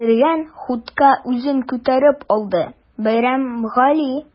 Кергән хутка үзен күтәреп алды Бәйрәмгали.